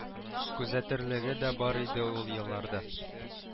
Күзәтерлеге дә бар иде ул елларда